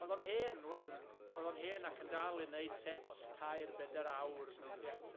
O'dd o'n hen ŵan, yn o'dd o'n hen ac yn dal i wneud sets tair, beder awr mewn theatre.